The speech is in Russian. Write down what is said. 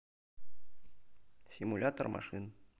симулятор машин